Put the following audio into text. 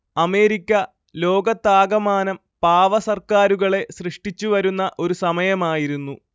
America ലോകത്താകമാനം പാവ സർക്കാരുകളെ സൃഷ്ടിച്ചു വരുന്ന ഒരു സമയമായിരുന്നു